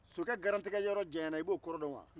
sokɛ garantigɛyɔrɔ janyara i b'o kɔrɔ dɔn wa